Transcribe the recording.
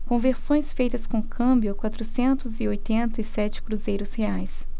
conversões feitas com câmbio a quatrocentos e oitenta e sete cruzeiros reais